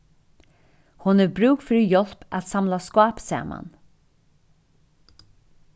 hon hevur brúk fyri hjálp at samla skáp saman